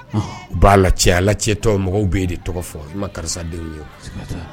U' la ala cɛtɔ mɔgɔw bɛ yen de tɔgɔ fɔ ma karisa ye